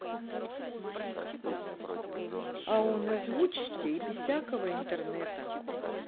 а он озвучьте и без всякого интернета